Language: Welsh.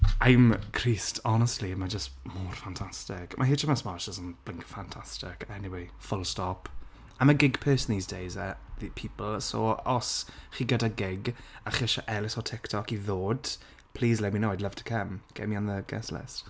I'm creased, honestly, ma' jyst mor fantastic ma' HMS Morris jesd yn fantastic anyway, full stop I'm a gig person these days, eh, the people so os chi gyda gig a chi isie Elis o TikTok i ddod please let me know, I'd love to come, get me on the guest list.